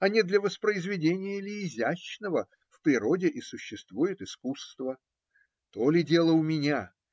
А не для воспроизведения ли изящного в природе и существует искусство? То ли дело у меня!